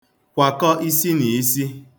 kwàkọ isinìisi